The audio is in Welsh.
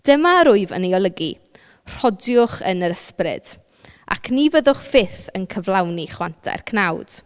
Dyma'r wyf yn ei olygu rhodiwch yn yr ysbryd ac ni fyddwch fyth yn cyflawni chwantau'r cnawd.